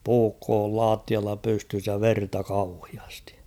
puukko oli lattialla pystyssä ja verta kauheasti